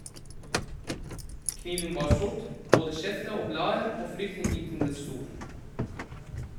Kniven var sort, både skjeftet og bladet, og fryktinngytende stor.